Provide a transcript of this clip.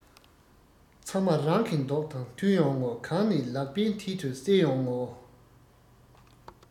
ཚང མ རང གི མདོག དང མཐུན ཡོང ངོ གང བྱས ལག པའི མཐིལ དུ གསལ ཡོང ངོ